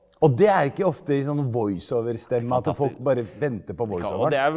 og det er ikke ofte i sånn voiceover-stemme at folk bare venter på voiceoveren.